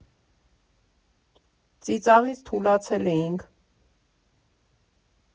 Ծիծաղից թուլացել էինք։